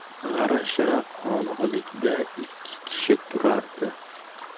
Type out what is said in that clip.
g'ira shira qorong'ilikda ikki kishi turardi